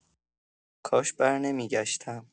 کاش برنمی‌گشتم.